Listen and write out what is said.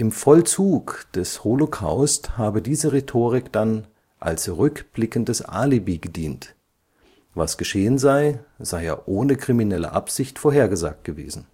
Vollzug des Holocaust habe diese Rhetorik dann als rückblickendes Alibi gedient: Was geschehen sei, sei ja ohne kriminelle Absicht vorhergesagt gewesen